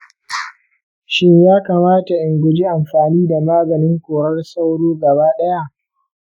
shin ya kamata in guji amfani da maganin korar sauro gaba ɗaya?